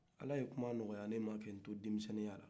ala ye kuma nɔgɔya ne ma k'an to demiseninya la